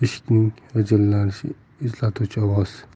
eshikning g'ijirlashini eslatuvchi ovoz